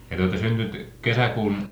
ja te olette syntynyt kesäkuun